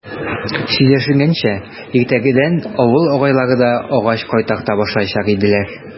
Сөйләшенгәнчә, иртәгәдән авыл агайлары да агач кайтарта башлаячак иделәр.